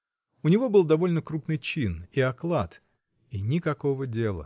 У него был довольно крупный чин и оклад — и никакого дела.